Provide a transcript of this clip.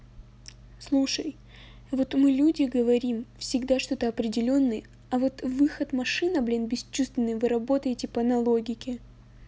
слушай вот мы люди говорим всегда что то определенные а вот выход машина блин бесчувственные вы работаете по но логике